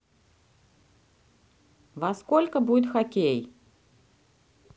во сколько будет хоккей